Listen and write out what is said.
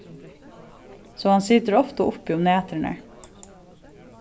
so hann situr ofta uppi um næturnar